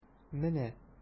Менә...